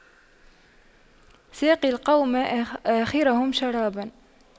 ساقي القوم آخرهم شراباً